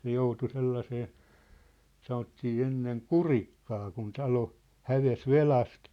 se joutui sellaiseen sanottiin ennen kurikkaan kun talo hävisi velasta